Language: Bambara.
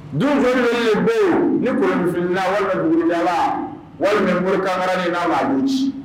Du jolijoli de bɛ yen, ni kolonninfilila, walima buguridalaa, walima mori kakalani n'a m'a du ci?